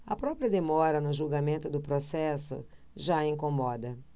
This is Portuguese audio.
a própria demora no julgamento do processo já incomoda